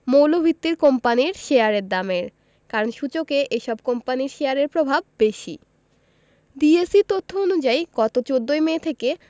মৌলভিত্তির কোম্পানির শেয়ারের দামের কারণ সূচকে এসব কোম্পানির শেয়ারের প্রভাব বেশি ডিএসইর তথ্য অনুযায়ী গত ১৪ মে থেকে